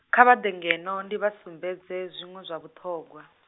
kha vha ḓe ngeno ndi vha sumbedze zwiṅwe zwa vhuṱhogwa .